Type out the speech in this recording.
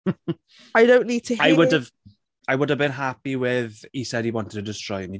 I don't need to hear... I would have... I would've been happy with, "He said he wanted to destroy me."